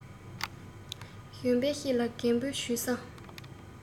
གཞོན པའི ཤེད ལས རྒན པོའི ཇུས བཟང